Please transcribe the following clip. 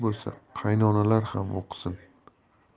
bo'lsa qaynonalar ham o'qisin